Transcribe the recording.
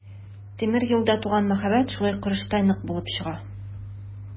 Тимер юлда туган мәхәббәт шулай корычтай нык булып чыга.